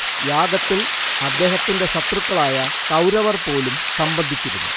യാഗത്തിൽ അദ്ദേഹത്തിന്റെ ശത്രുക്കളായ കൗരവർ പോലും സംബന്ധിച്ചിരുന്നു